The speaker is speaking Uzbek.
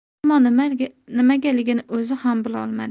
ammo nimagaligini o'zi ham bilolmadi